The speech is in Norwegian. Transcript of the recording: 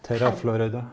Terra Florida.